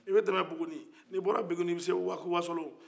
i bɛ tɛmɛ buguni ni bɔra buguni i bɛ se wasolo